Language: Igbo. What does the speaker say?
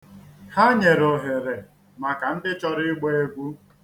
Ha nyere ohere maka ndị chọrọ ịgba egwu.